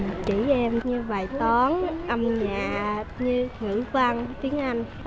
chỉ như bài toán âm nhạc như ngữ văn tiếng anh